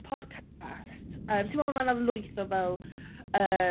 Podcast yym ti'n gwbod fel ma 'na lwyth o fel yy...